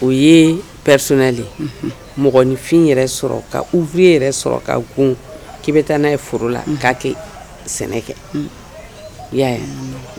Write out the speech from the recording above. O ye pɛrisɛli mɔgɔninfin yɛrɛ sɔrɔ ka ufe yɛrɛ sɔrɔ ka g k'i bɛ taa n'a ye foro la k'a kɛ sɛnɛ kɛ i y yaa